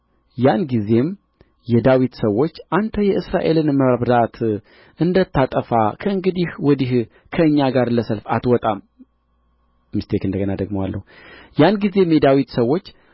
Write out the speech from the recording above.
ያንጊዜም የዳዊት ሰዎች ያንጊዜም የዳዊት ሰዎች አንተ የእስራኤልን መብራት እንዳታጠፋ ከእንግዲህ ወዲህ ከእኛ ጋር ለሰልፍ አትወጣም ሚስቴክ እንደገና ደግመዋለው